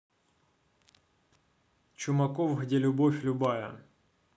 чумаков где любовь любая